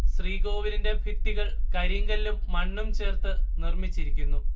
ശ്രീകോവിലിന്റെ ഭിത്തികൾ കരിങ്കല്ലും മണ്ണും ചേർത്ത് നിർമ്മിച്ചിരിക്കുന്നു